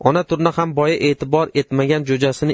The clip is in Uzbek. ona turna ham boya e'tibor etmagan jo'jasini